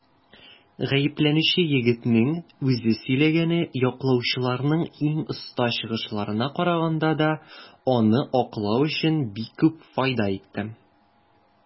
Гаепләнүче егетнең үзе сөйләгәне яклаучыларның иң оста чыгышларына караганда да аны аклау өчен бик күп файда итте.